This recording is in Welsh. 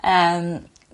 Yym.